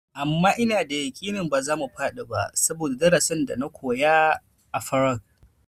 Amma inada yakinin bazamu fadi ba, saboda darasin da na koya a Prague.